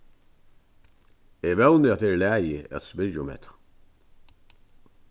eg vóni at tað er í lagi at eg spyrji um hetta